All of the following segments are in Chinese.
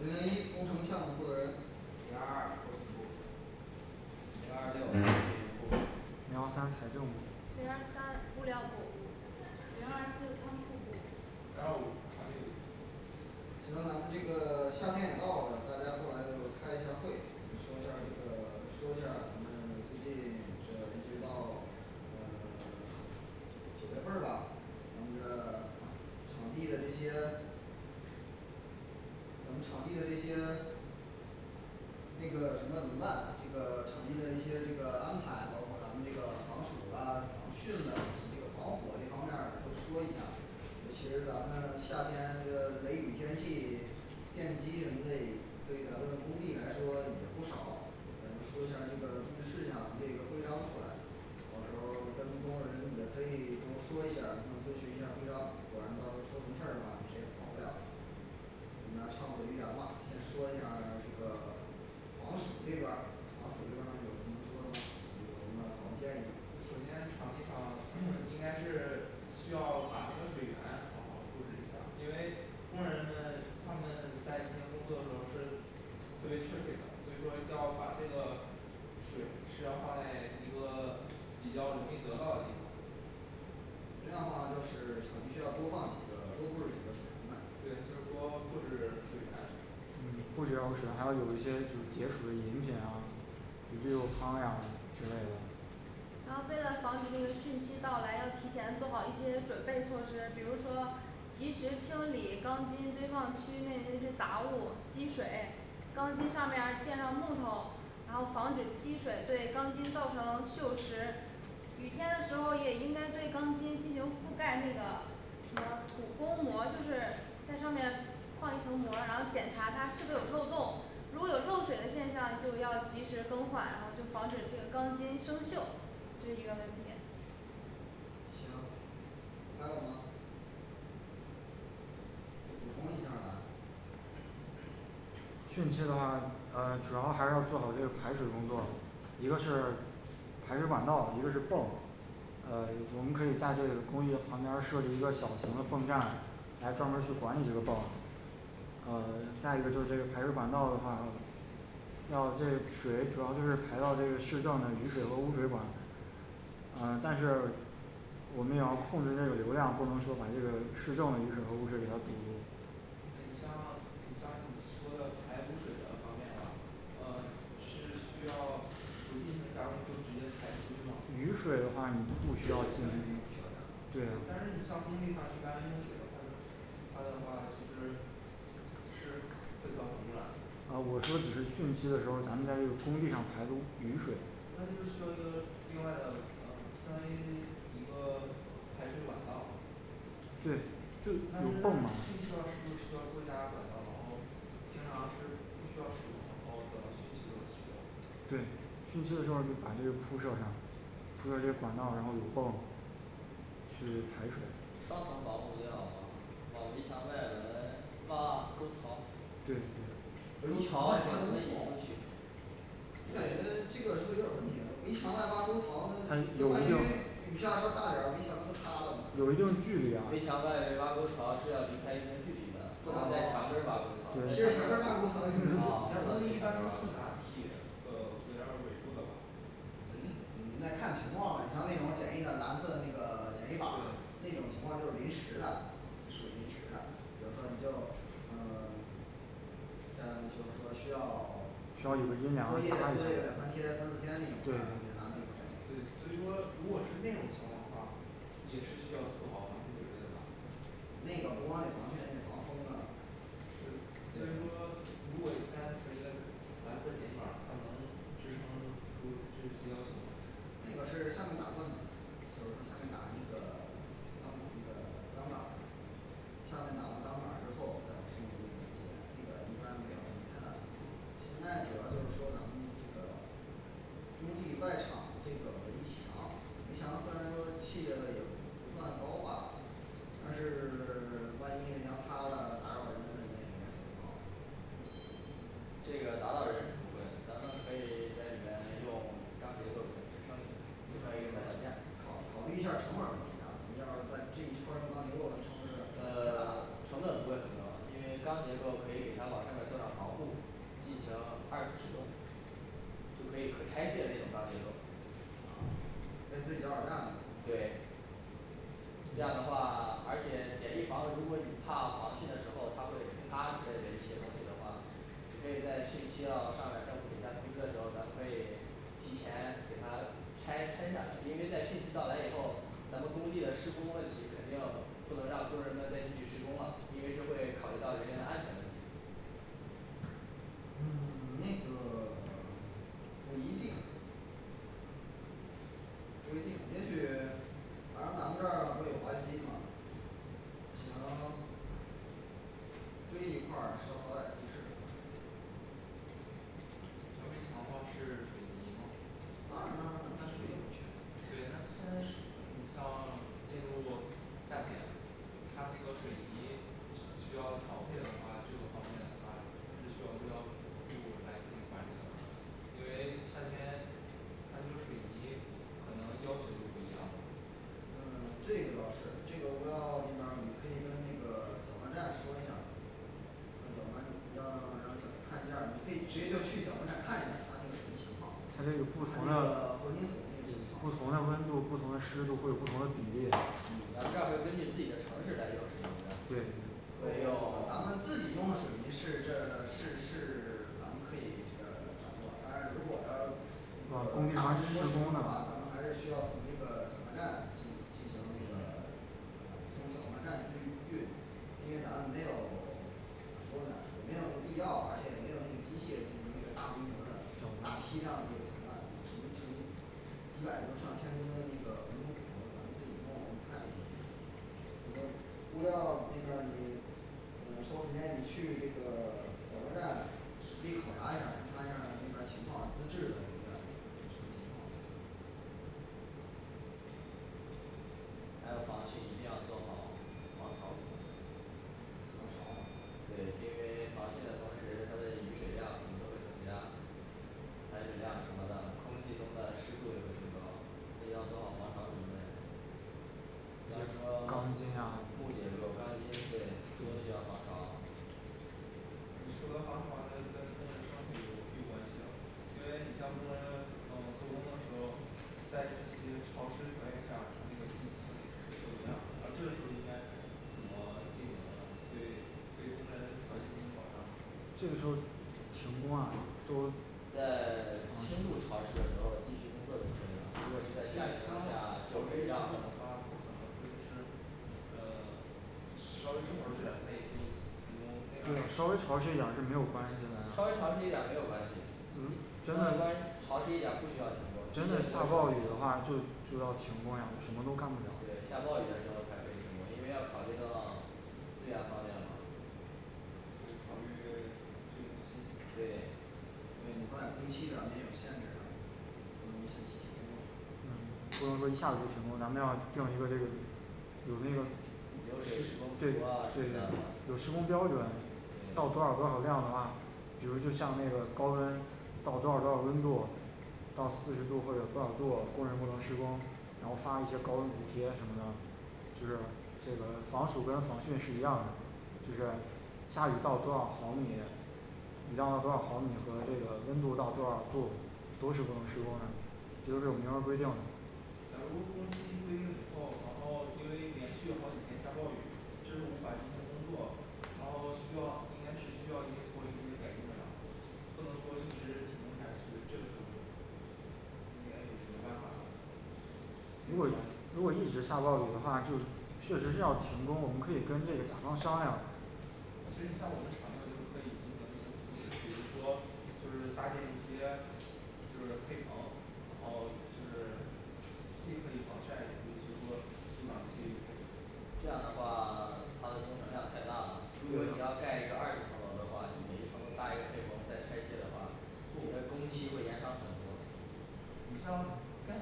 零零一工程项目负责人零二二后勤部零二六运营部零幺三财政部零二三物料部零二四仓库部零二五管理部行咱们这个 夏天也到了，大家过来就开一下儿会说一下儿这个， 说一下儿咱们最近这一直到 嗯 九月份儿吧咱们的 场地的这些咱们场地的这些 这个什么怎么办这个企业的一些这个安排，包括咱们这个防暑啊防汛啊以及这个防火这方面儿都说一下儿其实咱们夏天这个雷雨天气 电机应对，对于咱们工地来说也不少嗯说一下儿这个注意事项列一个规章出来到时候儿跟工人也可以多说一下儿，都注意哪项规章，不然到时候出什么事儿的话你也跑不了你们畅所欲言吧，先说一下儿 这个防暑这边儿防暑这边儿还有什么说的吗？有什么好的建议吗首先场地上 应该是 需要把这个水源好好布置一下，因为工人们 他们在进行工作的时候是特别缺水的，所以说要把这个水是要放在一个 比较容易得到的地方你这样的话就是场地需要多放几个多布置几个水源呗对就是说布置 水源嗯 不止要有水还要有一些就是解暑的饮品啊有绿豆汤呀之类的然后为了防止这个汛期到来，要提前做好一些准备措施，比如说及时清理钢筋堆放区内那些杂物积水，钢筋上面儿垫上木头然后防止积水，对钢筋造成锈蚀雨天的时候也应该对钢筋进行覆盖，那个什么土工膜就是在上面放一层膜，然后检查它是不是有漏洞如果有漏水的现象就要及时更换，然后就防止这个钢筋生锈这是一个问题行还有吗补充一下儿吧汛期的话呃主要还是要做好这个排水工作，一个是排水管道，一个是泵呃我们可以在这个公寓旁边儿设立一个小型的泵站来专门儿去管理这个泵呃 再一个就是这个排水管道的话让这水主要就是排到这个市政的雨水和污水管呃但是我们也要控制这个流量，不能说把这个市政雨水和污水给它堵住你像 你像你说的排污水的方面呢呃是需要 点儿污就直接排出去的吗雨水的话你是不需要进行对对啊但是你像工地上一般用你的话说话说的话就是是会造啊成污染我说只是汛期的时候，咱们在这个工地上排污雨水那就是需要一个另外的一个 排水管道那那个需不需要是不是需要多加两个，平常是不需要使用然后汛期使用去排水双层的防护处理最好嘛往围墙的外围挖沟槽对对围墙给他们引过去我感对觉这个是不是有点儿危险呢，围墙外挖沟槽它那有万一一定 雨下的稍大点儿围墙那不塌了吗，有一定距离啊围墙外围挖沟槽是要离开一定距离的不能在墙根儿挖沟槽在贴墙墙根根儿儿挖啊不沟槽能贴墙根儿挖沟槽嗯嗯那得看情况你像那种简易的蓝色那个简易板那种情况就是临时那属于临时的比如说你就呃 但就是说需需要 要有个阴凉搭一下儿对对对对所以说如果是这种情况的话也是需要做好防水准备的那个不光可以防汛防空的所以说如果单纯跟咱们这边儿它可能支撑不住这些对这个是 他们打断的就是说他们把这个 相同的钢板他们拿了钢板儿之后在跟这些现在这个就是说呢因为这个工地外场这个围墙围墙虽然说砌的也不算高吧但是 万一围墙塌了砸到人那影响肯定不好这个砸到人是不会的，咱们可以在里面用钢结构给它支撑一下，支撑一个三角架儿考考虑一下儿成本问题啊，要是在这一圈儿弄钢结构是不是有点儿成本太大了呃 成本不会很高，因为钢结构可以给它往上面儿做点儿防护，进行二次使用就可以可拆卸的那种钢结构啊类似于脚手架那种对这样的话 而且简易房如果你怕防汛的时候，它会冲塌之类的一些东西的话你可以在汛期也好上面政府给下通知的时候，咱们可以提前给它拆拆下来，因为在汛期到来以后咱们工地的施工问题肯定不能让工人们再继续施工了，因为这会考虑到人员的安全问题嗯 那个 不一定不一定也许 反正咱们这儿不有吗不行 堆一块儿稍高点儿地势咱围墙是水泥咱吗们马上对那现在水你像 进入夏天他那个水泥是需要调配的话，这个方面的话因为 夏天 他那个水泥可能要求就不一样嗯 这个倒是这个我不知道 那边儿你们可以跟那个 搅拌站说一下儿要不然你到 人家的他们那儿你可以谁就去搅拌站看一下儿他那个什么情况，它这个不同的混凝对土不同的温度，不同的湿度或者不同的比例咱嗯们这儿会根据自己的城市来用水泥的对对用 咱们自己用的水泥，是这 是是 咱们可以这个掌管，但是如果咱们啊供应呃供长应期复工的话咱们还是需要从那个搅拌站进进行这个 嗯从搅拌站去去因为咱们没有 工人没有必要而且也没有那个机械进行那个大规模的大批量那个什么成成几百吨上千吨的那个混凝土咱们自己弄的话太嗯物料儿 那边儿你呃抽时间你去这个 搅拌站实地考察一下儿他那儿那边儿情况资质啊什么的还有防汛一定要做好防潮准备防潮对因为防汛的同时它的雨水量肯定会增加排水量什么的，空气中的湿度也会增高，所以要做好防潮准备比方说 木钢筋啊结构钢筋对都需要防潮你不能把，因为你像工作人员，包括做工的时候在一些潮湿条件下这时候应该怎么避免对对工人的条件进行保障这个时候停工啊作为在 轻度潮湿的时候继续工作就可以了如果是在下雨情况下就可以让&啊&呃 稍微潮湿下他也都停工对稍微潮湿一点儿是没有关系稍微潮的呀湿一点儿没有关系呃关于潮湿一点儿不需要停工真的真对的下下暴暴雨雨的时的话就就要停工呀什么都干不了候才可以停工因为要考虑到 资源方面嘛考虑 这个对嗯房产工期咱们也限制点儿不能停工了嗯不能说一下雨就停工咱们要调一个这个有那个流水施施工图对对啊什对么的对对有施工标准到多少多少量的话比如就像那个高温到多少多少温度到四十度或者多少度，工人不能施工，然后发一些高温补贴什么的就是这个防暑跟防汛是一样的。就是下雨到多少毫米雨下到多少毫米和这个温度到多少度都是不能施工的就是有明文儿规定假如公司新规定以后，然后因为连续好几天下暴雨这是无法进行工作然后需要应该是需要一些做一些改变了不能说一直停工下去这是你看有什么办法如果如果一直下暴雨的话，就确实是要停工，我们可以跟这个甲方商量其实你像有的厂商就是盖几十层黑棚比如说就是搭建一些就是黑棚然后就是既可以防晒也可以是说无法淋雨这样的话 它的工程量太大了，如果你要盖一个二十层楼的话，你每一层楼搭一个黑棚再拆卸的话你的工期会延长很多那干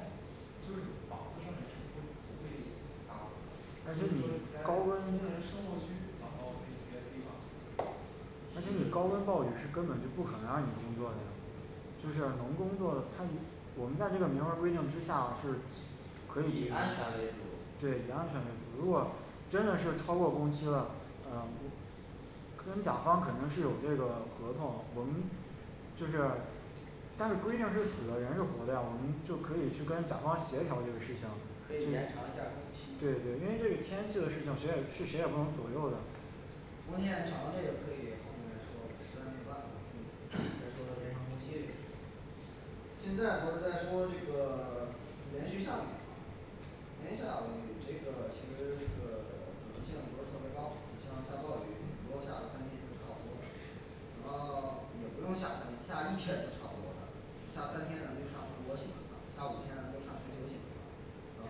是不是绑定是不不会塌但就是是说你你在高温 在生活区好好维持这个地方但是是你高温暴雨是根本就不可能让你工作的呀就是能工作它是我们这儿这个明文儿规定之下是几 可以以安全为可以对主以安全为主如果真的是超过工期了嗯跟甲方肯定是有那个合同我们就是但是规定是死的人是活的啊，我们就可以去跟甲方协调这个事情可以延长一下工期对对对因为这是天气的事情谁也是谁也不能左右的工期延长这个可以后面再说实在没有办法了可以 再说延长工期这个事情现在不是在说这个 连续下雨吗连续下雨这个其实这个 可能性不是特别高，像下暴雨顶多下个三天就差不多了啊 也不用下三天下一天就差不多了下三天咱们就差不多基本上下五天咱就当成休息呃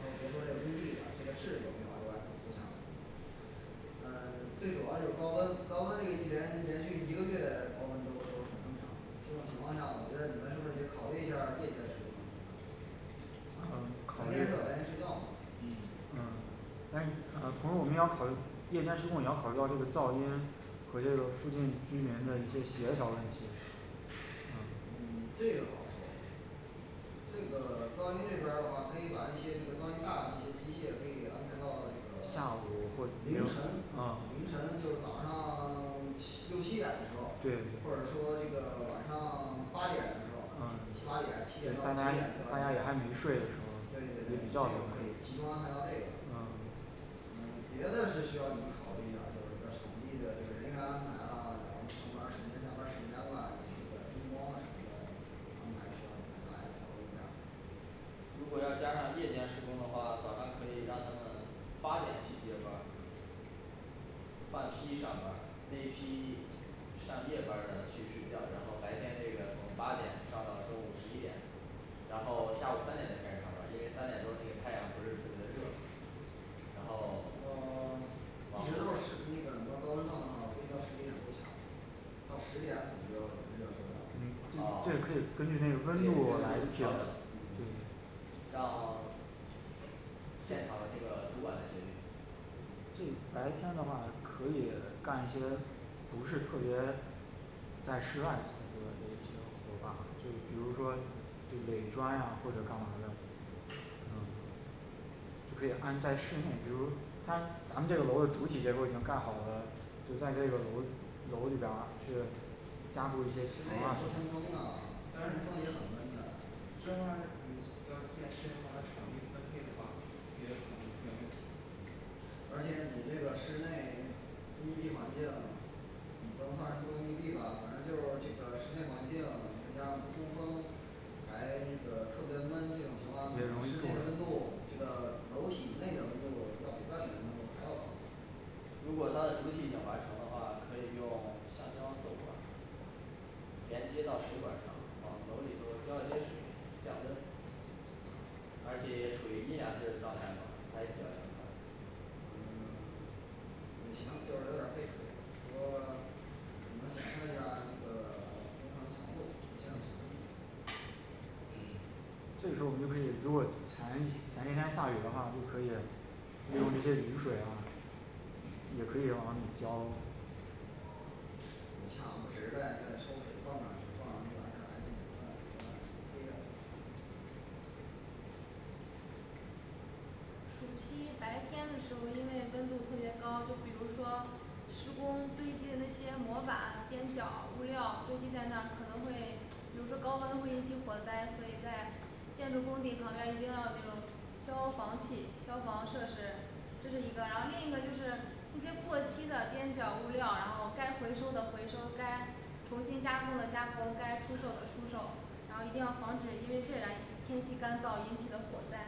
呃 最主要就是高温高温这个季节连续一个月 高温都都不能降这种情况下我觉得你们是不得考虑一下儿夜间施工啊嗯 考虑了嗯 嗯但呃可是我们要考虑夜间施工也要考虑到这个噪音和这个附近居民的一些协调问题啊嗯这个好说这个 噪音那边儿话可以把一些这个噪音大的这些机械可以安排到这个 下午或凌晨呃凌晨就是早上 七六七点的时候或者对说这个晚上 八点的时候对对嗯对嗯对这个大家大家也还没睡的时候也比较晚可以集中安排到这个嗯嗯别的事需要你们考虑一下儿，就是说场地的这个人员安排啦，然后上班儿时间下班儿时间啦，这个灯光什么安排需要你们来沟通下儿如果要加上夜间施工的话，早上可以让他们八点去接班儿换批上班儿那一批上夜班儿的去睡觉，然后白天这边儿从八点上到中午十一点然后下午三点才开始上班，因为三点钟那个太阳不是特别热了然后 呃往 后别的是那个什么高温状态话估计到十一点都不行到十点可能嗯就这这可热以根得据那对个受根温据温度度 不了调整了嗯对让 现场的那个主管来决定这白天的话呢可以干一些不是特别在室外那些个的一些活吧就比如说就垒砖啊或者干嘛的知道吗就可以安置在室内比如他咱们这个楼的主体结构已经盖好了就在这个楼楼里边儿就是加固一些其可以他通通风啊你会觉得很闷的场地的话也可能出现问题而且你这个室内 工地环境 你不能乱出进地方反正就是这个室内环境你应该通风还那个就跟它那种情况室也容易内中的温度暑这个楼体内的温度比外面的温度还要高如果它的主体已经完成的话可以用 橡胶塑管儿连接到水管儿上往楼里头浇一些水降温而且也处于阴凉地儿的状态嘛它也比较凉快嗯 也行就是有点儿费水只不过我们得看看那个 工程强度嗯这时候我们就可以如果前西 前些天下雨的话我们就可以用一些雨水啊也可以往里浇像我们时代那修水泵啊水泵那玩意儿这个暑期白天的时候因为温度特别高就比如说施工堆积的那些模板啊边角物料堆积在那儿，可能会比如说高温会引起火灾，所以在建筑工地旁边儿一定要有那种消防器消防设施这是一个。然后另一个就是那些过期的边角物料，然后该回收的回收，该重新加工的加工，该出售的出售，然后一定要防止因为这两天气干燥引起的火灾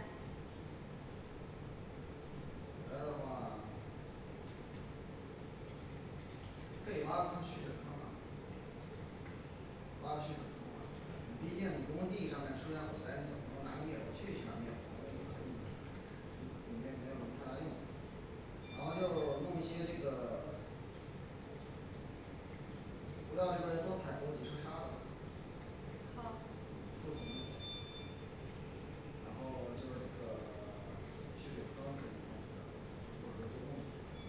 别的方法还有就是说呢毕竟工地上嘞车燃起来总不能拿灭火器去那灭火那不能没没有什么太大意义然后就弄一些这个 物料这边儿多采购一些沙子吧好然后 就是这个 吸水方式或者说沟通好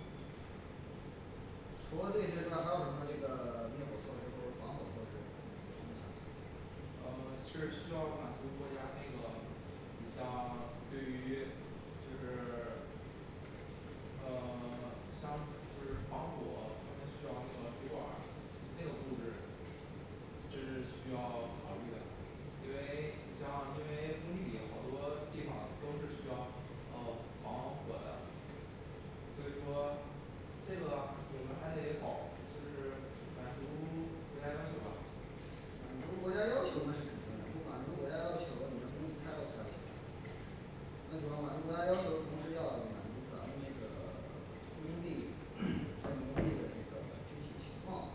除了这些之外还有什么这个 灭火措施或者防火措施然后这是需要 从国家那个像 铝 就是 呃 当就是防火肯定需要这个水管儿这个布置这是需要考虑的因为你像因为工地里好多地方都是需要呃防火的就是说这个 水源还得倒就是 满足 国家要求吧满足国家要求那是肯定的不满足国家要求你能 开到现在吗不光满足国家要求的同时要满足咱们这个 工地 建筑工地的这个具体情况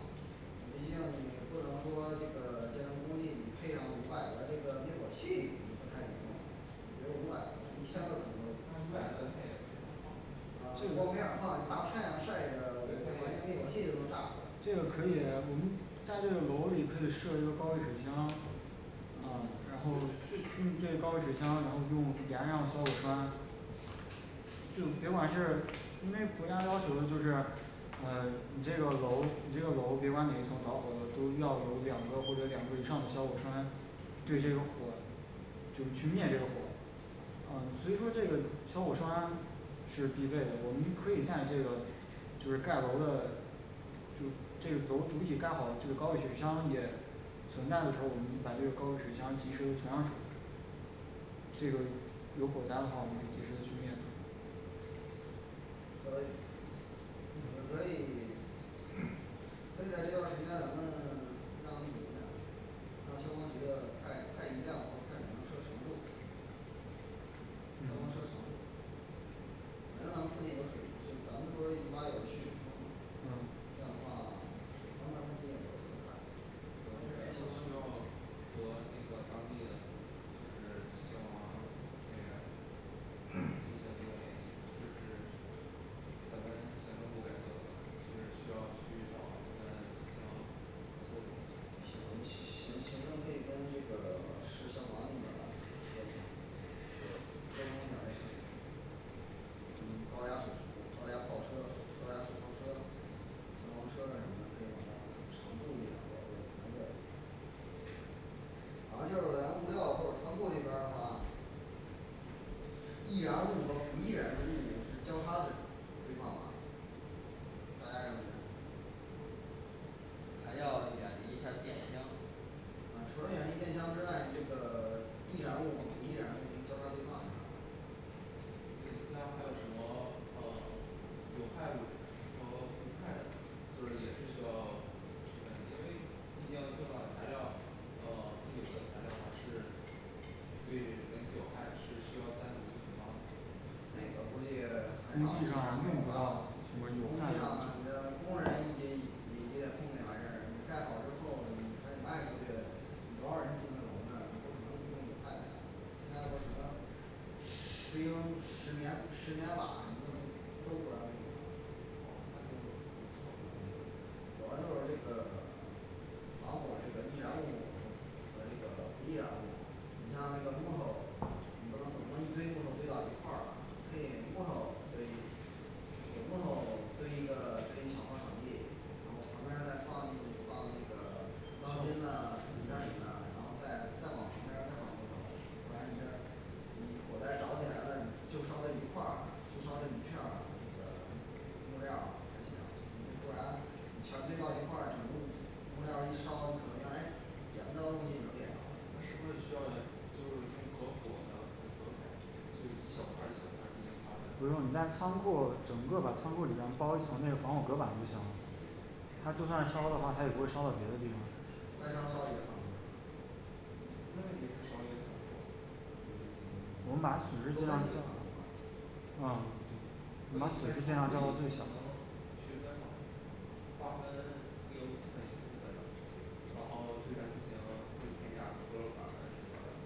毕竟你不能说这个建筑工地你配上五百个那个灭火器那不太灵光别说五百个一千个都不能一千五百个他也不行啊呃路面儿放一个大太阳晒着我感觉好像那个灭火器都能炸了这这个可以我们在这个楼里可以设一个高位水箱嗯然后就用用这个高位水箱然后用连上消火栓就别管是因为国家要求的就是呃你这个楼你这个楼比方哪一层着火了，都要有两个或者两个以上的消火栓对这个火就去灭这个火呃所以说这个消火栓是必备的，我们可以干这个就是盖楼的就这个楼主体盖好了，这个高位水箱也存在的时候，我们把这个高位水箱及时的存上水这个有火灾的话我们可以及时去灭可我们可以 剩下这段儿时间咱们 当前呃消防局的太太一样或者太什么这个程度嗯反正目前不属于就是咱们不是印发有许可证吗这样嗯的话双方就可以&对&双方就要中国那个发挥的就是一栋楼现在那个就 是行行行可以跟这个 消消防这边儿有消防来嗯 高压嗯高压炮车高压水炮车消防车这儿你们注意了不要给我然后就是咱物料或者仓库这边儿的话易燃物和不易燃物是交叉的堆放吧大家有什么问题还要远离一下儿电箱啊除了远离电箱之外那个 易燃物和不易燃物是交叉堆放是吧交叉的和呃有害物和无害物不是也需要区分的吗因为一定要用到材料呃这个材料是有对害的是需要单独放那个估计 工很少工地地上用不到上什么有害物质你的工人阶级你你得控制那玩意儿你盖好之后你还得卖你多少人住那楼呢你不可能弄有害的吧现在说只能修石棉石棉瓦什么的都不可能这么着主要就是那个 往我这个易燃物的这个易燃这方面你像这个木头你不能总不能一堆木头堆到一块儿吧你可以木头堆用木头 堆一个堆一小块儿场地然后旁边儿再放嗯放那个 钢筋啦这一片儿然后再再往旁边儿再放木头完你这嗯火灾着起来了你就烧这一块儿就烧这一片儿这个木料儿还行嗯不然你全堆到一块儿去木木料儿一烧你可能就哎全仓库给你都点着了是不是得需要这这个能隔火的就一小块儿一小块儿那个不用你在仓库整个把仓库里面包一层那个防火隔板就行了他就算烧的话，他也不会烧到别的地方那个就属于嗯 我们把损失尽量嗯我们把损失尽量降到最小